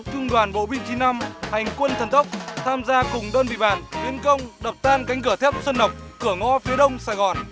trung đoàn bộ binh chín năm hành quân thần tốc tham gia cùng đơn vị bạn tiến công đập tan cánh cửa thép xuân lộc cửa ngõ phía đông sài gòn